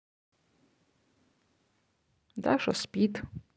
даша спит